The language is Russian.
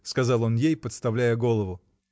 — сказал он ей, подставляя голову.